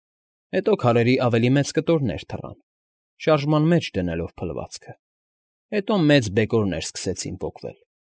Հետո քարերի ավելի մեծ կտորներ թռան՝ շարժման մեջ դնելով փլվածքը, հետո մեծ բեկորներ սկսեցին պոկվել։